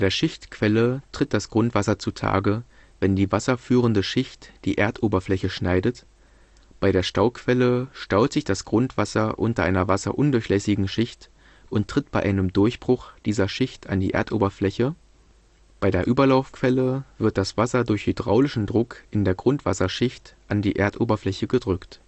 Schichtquelle: Das Grundwasser tritt zutage, wenn die Wasser führende Schicht die Erdoberfläche schneidet. Stauquelle: Grundwasser staut sich unter einer wasserundurchlässigen Schicht und tritt bei einem Durchbruch dieser Schicht an die Erdoberfläche. Überlaufquelle: Das Grundwasser wird durch hydraulischen Druck in der Grundwasserschicht an die Erdoberfläche gedrückt